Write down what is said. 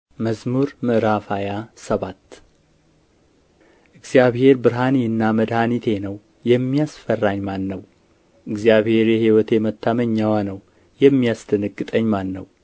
መዝሙር ሃያ ሰባት እግዚአብሔር ብርሃኔና መድኃኒቴ ነው የሚያስፈራኝ ማን ነው እግዚአብሔር የሕይወቴ መታመኛዋ ነው የሚያስደነግጠኝ ማን ነው